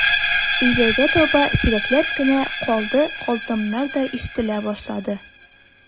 Өйләгә таба сирәкләп кенә «калды», «калдым»нар да ишетелә башлады.